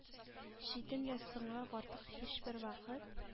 Читен дә соң артык һичбер вакыт